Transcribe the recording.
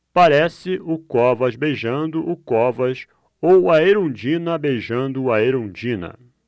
parece o covas beijando o covas ou a erundina beijando a erundina